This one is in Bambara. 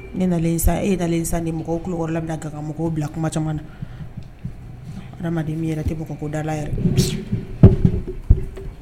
Ne sa e yelen sa ni mɔgɔw kukɔrɔ la ka mɔgɔw bila kuma caman na adamaden yɛrɛ tɛ bɔ ko da yɛrɛ